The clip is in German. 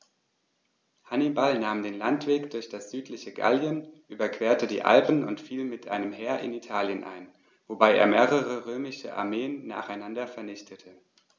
Hannibal nahm den Landweg durch das südliche Gallien, überquerte die Alpen und fiel mit einem Heer in Italien ein, wobei er mehrere römische Armeen nacheinander vernichtete.